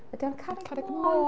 Ydy o'n Carreg Môn?